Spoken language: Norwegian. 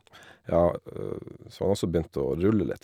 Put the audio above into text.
Ja, så har han også begynt å rulle litt.